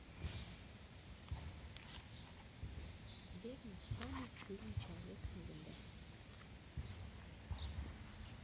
деревня самый сильный человек на земле